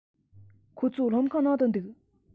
ཁོ ཚོ སློབ ཁང ནང དུ འདུག